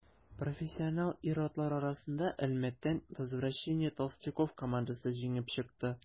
Профессионал ир-атлар арасында Әлмәттән «Возвращение толстяков» командасы җиңеп чыкты.